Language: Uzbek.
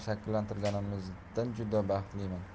shakllantriganimizdan juda baxtliman